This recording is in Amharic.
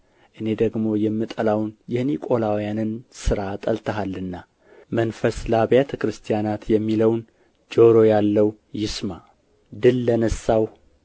እኔ ደግሞ የምጠላውን የኒቆላውያንን ሥራ ጠልተሃልና መንፈስ ለአብያተ ክርስቲያናት የሚለውን ጆሮ ያለው ይስማ ድል ለነሣው